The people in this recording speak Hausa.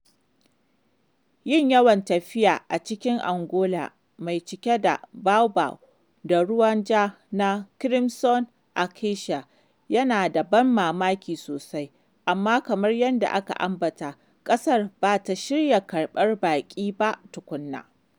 Yin yawon tafiya a cikin Angola mai cike da baobab da ruwan ja na Crimson Acacia yana da ban mamaki sosai, amma kamar yadda aka ambata, ƙasar ba ta shirya karɓar baƙi ba tukuna.